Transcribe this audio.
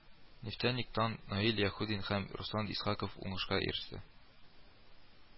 Нефтяник тан Наил Яһүдин һәм Руслан Исхаков уңышка иреште